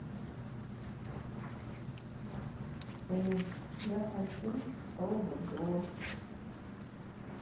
сын я хочу чтобы дочь